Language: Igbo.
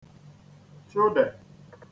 chụdè